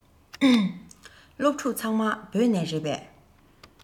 སློབ ཕྲུག ཚང མ བོད ནས རེད པས